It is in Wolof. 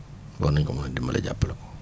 war nañ ko mun a dimbale jàppale ko